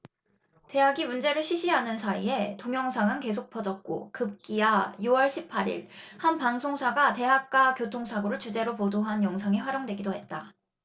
대학이 문제를 쉬쉬하는 사이에 동영상은 계속 퍼졌고 급기야 유 월 십 팔 일 한 방송사가 대학가 교통사고를 주제로 보도한 영상에 활용되기도 했다